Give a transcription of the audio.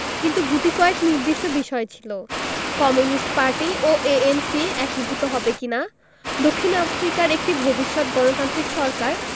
কিন্তু গুটিকয়েক নির্দিষ্ট বিষয় ছিল কমিউনিস্ট পার্টি ও এএনসি একীভূত হবে কি না দক্ষিণ আফ্রিকার একটি ভবিষ্যৎ গণতান্ত্রিক সরকার